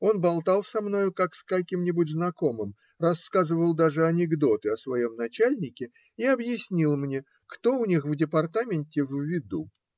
Он болтал со мною, как с каким-нибудь знакомым, рассказывал даже анекдоты о своем начальнике и объяснил мне, кто у них в департаменте на виду.